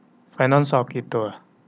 ไฟนอลสอบกี่ตัว